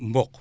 mboq